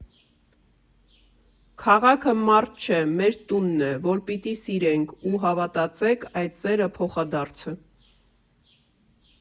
Քաղաքը մարդ չէ՝ մեր տունն է, որ պիտի սիրենք, ու հավատացեք, այդ սերը փոխադարձ է։